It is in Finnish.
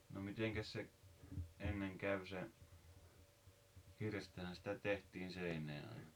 no mitenkäs se ennen kävi se hirrestähän sitä tehtiin seinää aina